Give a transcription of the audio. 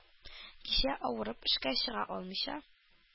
Кичә авырып эшкә чыга алмыйча